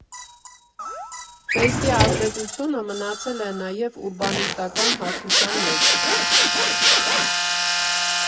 Ֆեստի ազդեցությունը մնացել է նաև ուրբանիստական հարթության մեջ.